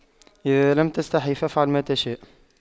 اذا لم تستحي فأفعل ما تشاء